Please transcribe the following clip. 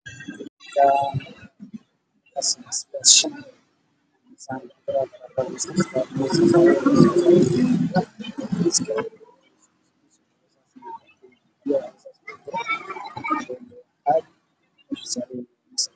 Sawirkan waxaa iga muuqda weel ay wax ku jiraan